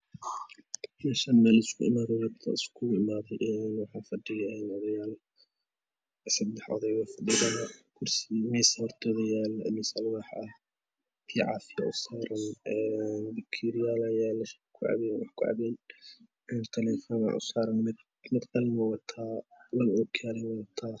Meeshaan een meel la isugu imaado waaye